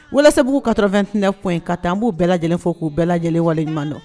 Walasa'u katɔ2ina tun in ka taa b'u bɛɛ lajɛlen fo k'u bɛɛ lajɛlen waleɲuman don